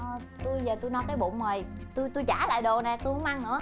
tui giờ tui no cái bụng rồi tui tui trả lại đồ nè tui không ăn nữa